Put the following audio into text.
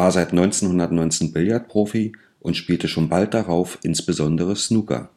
seit 1919 Billardprofi und spielte schon bald darauf insbesondere Snooker